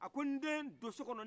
a ko nden do sokɔnɔ